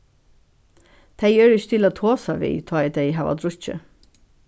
tey eru ikki til at tosa við tá ið tey hava drukkið